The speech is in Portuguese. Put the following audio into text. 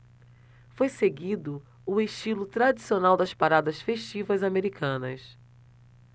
foi seguido o estilo tradicional das paradas festivas americanas